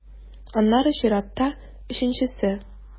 Аннары чиратта - өченчесе.